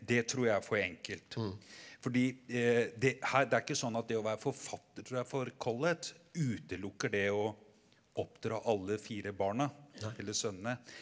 det tror jeg er for enkelt fordi det her det er ikke sånn at det å være forfatter tror jeg for Collett utelukker det å oppdra alle fire barna eller sønnene.